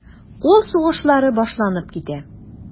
Кул сугышлары башланып китә.